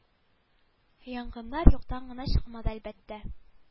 Янгыннар юктан гына чыкмады әлбәттә